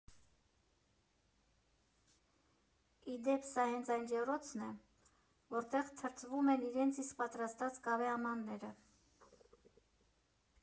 Ի դեպ, սա հենց այն ջեռոցն է, որտեղ թրծվում են իրենց իսկ պատրաստած կավե ամանները։